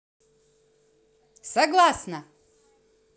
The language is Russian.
согласно